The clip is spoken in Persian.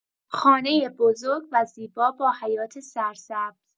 خانۀ بزرگ و زیبا با حیاط سرسبز